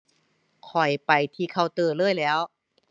ข้อยไปที่เคาน์เตอร์เลยแหล้ว